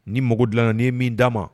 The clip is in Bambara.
Ni mago dilanna nin ye min d'a ma